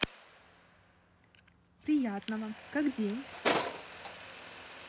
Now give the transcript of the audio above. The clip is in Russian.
приятного как день